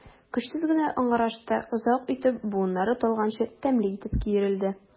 Көчсез генә ыңгырашты, озак итеп, буыннары талганчы тәмле итеп киерелде.